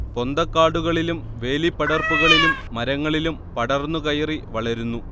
പൊന്തക്കാടുകളിലും വേലിപ്പടർപ്പുകളിലും മരങ്ങളിലും പടർന്നു കയറി വളരുന്നു